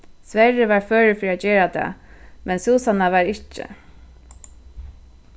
sverri var førur fyri at gera tað men súsanna var ikki